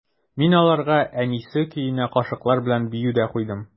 Мин аларга «Әнисә» көенә кашыклар белән бию дә куйдым.